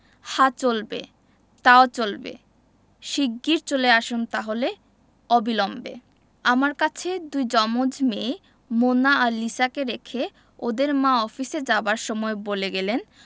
হ্যাঁ চলবে তাও চলবে শিগগির চলে আসুন তাহলে অবিলম্বে আমার কাছে দুই জমজ মেয়ে মোনা আর লিসাকে রেখে ওদের মা অফিসে যাবার সময় বলে গেলেন